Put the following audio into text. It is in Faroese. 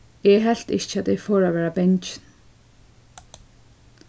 eg helt ikki at eg fór at vera bangin